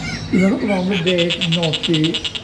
Dwi'n meddwl bod ond yn deg nodi